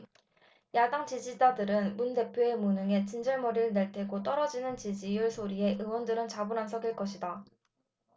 야당 지지자들은 문 대표의 무능에 진절머리를 낼 테고 떨어지는 지지율 소리에 의원들은 좌불안석일 것이다